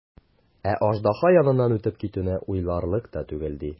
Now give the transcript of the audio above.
Ә аждаһа яныннан үтеп китүне уйларлык та түгел, ди.